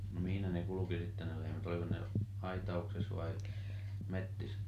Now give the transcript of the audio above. no missä ne kulki sitten ne lehmät oliko ne aitauksessa vai metsissä